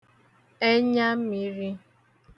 ẹnyamirī